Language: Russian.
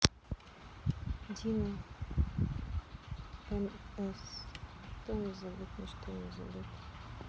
dino mc никто не забыт ничто не забыто